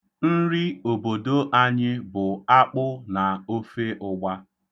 Nri obodo anyị bụ akpụ na ofe ụgba.